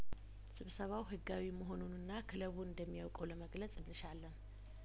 ስብሰባው ህጋዊ መሆኑንና ክለቡ እንደሚያውቀው ለመግለጽ እንሻለን